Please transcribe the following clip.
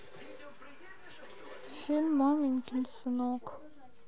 фильм маменькин сынок